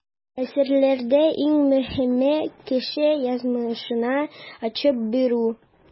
Әсәрләрдә иң мөһиме - кеше язмышын ачып бирү.